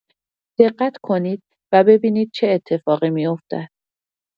دقت کنید و ببینید چه اتفاقی می‌افتد.